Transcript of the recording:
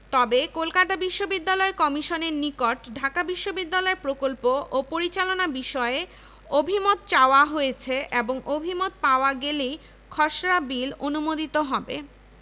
তবে কলকাতা বিশ্ববিদ্যালয় কমিশনের নিকট ঢাকা বিশ্ববিদ্যালয় প্রকল্প ও পরিচালনা বিষয়ে অভিমত চাওয়া হয়েছে এবং অভিমত পাওয়া গেলেই খসড়া বিল অনুমোদিত হবে